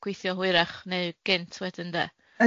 gweithio hwyrach neu gynt wedyn de?